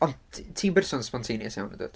Ond ti'n person spontaneous iawn, yndwt.